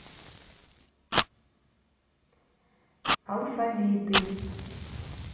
алфавиты